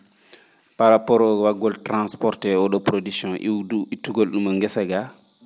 par rapport wa?gol transporté oo?oo production iwdu ittugol ?um ngesa gaa